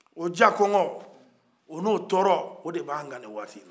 o ja kɔngɔ on'u tɔɔrɔ o de b'an kan nin waati in na